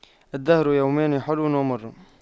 الدهر يومان حلو ومر